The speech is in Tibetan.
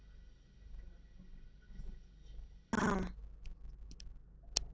མཐོང སྣང དང